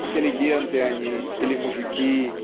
интеллигенты они или мужики